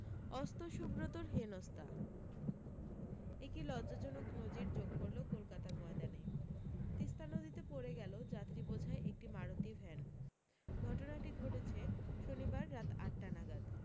অস্ত সুব্রতর হেনস্থা একে লজ্জাজনক নজির যোগ করল কলকাতার ময়দানে তিস্তা নদীতে পড়ে গেল যাত্রীবোঝাই একটি মারুতি ভ্যান ঘটনাটি ঘটেছে শনিবার রাত আটটা নাগাদ